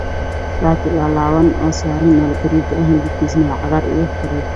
Shaati lalaban oo saran meel garii ah midibkisa neh waa cagar io gariin